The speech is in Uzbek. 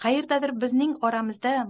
qayerdadir bizning oramizda